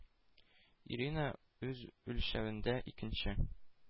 Ирина үз үлчәвендә – икенче,